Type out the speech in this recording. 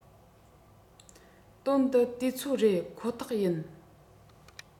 དོན དུ དུས ཚོད རེད ཁོ ཐག ཡིན